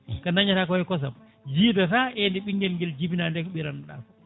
ko dañta ko e kosam jidata e nde ɓinguel nguel jibinade eko ɓiranno ɗa ko